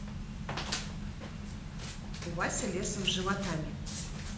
вася лесов животами